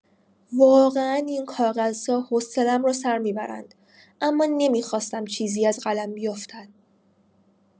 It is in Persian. واقعا این کاغذها حوصله‌ام را سر می‌برند، اما نمی‌خواستم چیزی از قلم بیفتد.